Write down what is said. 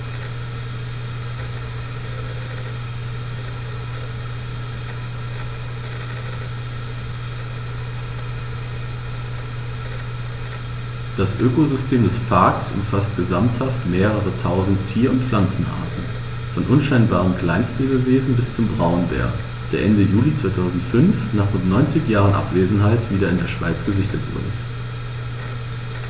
Das Ökosystem des Parks umfasst gesamthaft mehrere tausend Tier- und Pflanzenarten, von unscheinbaren Kleinstlebewesen bis zum Braunbär, der Ende Juli 2005, nach rund 90 Jahren Abwesenheit, wieder in der Schweiz gesichtet wurde.